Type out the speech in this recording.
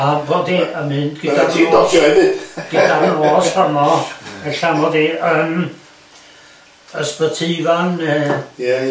A bod hi yn mynd.. o'dda ti'n dojio efyd? Ella mod i yn Ysbyty Ifan de?